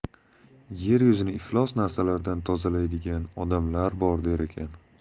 yer yuzini iflos narsalardan tozalaydigan odamlar bor der ekan